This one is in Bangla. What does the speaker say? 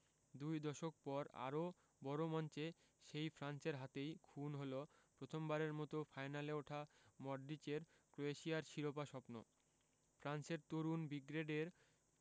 দুই দশক পর আরও বড় মঞ্চে সেই ফ্রান্সের হাতেই খুন হল প্রথমবারের মতো ফাইনালে ওঠা মডরিচের ক্রোয়েশিয়ার শিরোপা স্বপ্ন ফ্রান্সের তরুণ ব্রিগেডের